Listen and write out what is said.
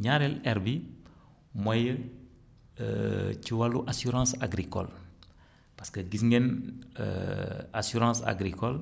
ñaareel R bi mooy ci wàllu assurance agricole parce que gis ngeen assurance agricole